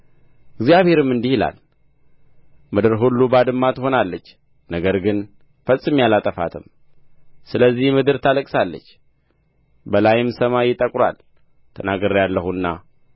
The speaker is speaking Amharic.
እግዚአብሔርም እንዲህ ይላል ምድር ሁሉ ባድማ ትሆናለች ነገር ግን ፈጽሜ አላጠፋትም ስለዚህ ምድር ታለቅሳለች በላይም ሰማይ ይጠቁራል ተናግሬአለሁና